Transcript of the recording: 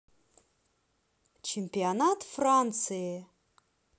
чемпионат франции